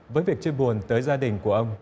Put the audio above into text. với việc chia buồn tới gia đình của ông